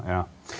ja.